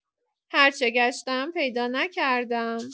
هرچه گشتم، پیدا نکردم.